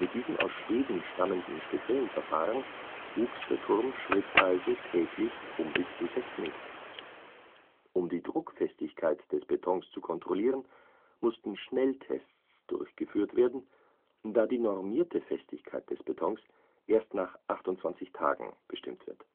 diesem aus Schweden stammenden speziellen Verfahren wuchs der Turm schrittweise täglich um bis zu 6 Meter. Um die Druckfestigkeit des Betons zu kontrollieren, mussten Schnelltests durchgeführt werden, da die normierte Festigkeit des Betons erst nach 28 Tagen bestimmt wird